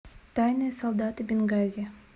тайные солдаты бенгази